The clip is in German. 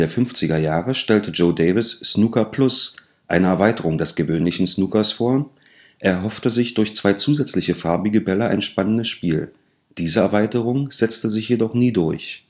1950er Jahre stellte Joe Davis Snooker Plus, eine Erweiterung des gewöhnlichen Snookers, vor. Er erhoffte sich durch zwei zusätzliche farbige Bälle ein spannenderes Spiel. Diese Erweiterung setzte sich jedoch nie durch